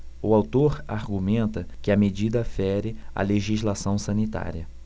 o autor argumenta que a medida fere a legislação sanitária